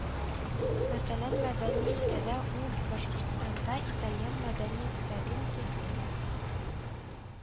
Мәсәлән, мәдәни өлкәдә ул Башкортстанда Итальян мәдәни үзәген төзү